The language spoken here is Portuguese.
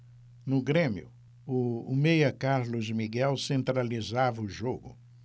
no grêmio o meia carlos miguel centralizava o jogo